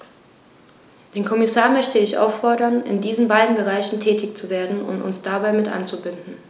Den Kommissar möchte ich auffordern, in diesen beiden Bereichen tätig zu werden und uns dabei mit einzubinden.